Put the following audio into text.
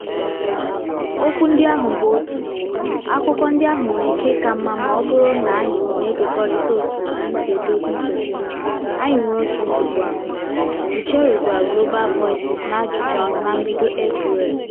Okwu ndị ahụ bụ otu; akụkọ ndị ahụ nwere ike ịka mma ma ọ bụrụ na anyị na-ekekọrịta otu anyị si edozi nsogbu a; anyị nwere otu nsogbu ahụ," Gicheru gwara Global Voices n'ajụjụọnụ na mbido Eprel.